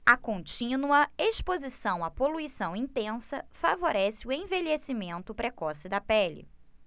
a contínua exposição à poluição intensa favorece o envelhecimento precoce da pele